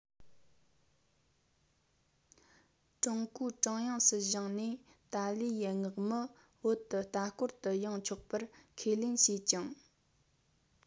ཀྲུང གོའི ཀྲུང དབྱང སྲིད གཞུང ནས ཏཱ ལའི ཡི མངགས མི བོད དུ ལྟ བསྐོར དུ འོང ཆོག པར ཁས ལེན བྱས ཀྱང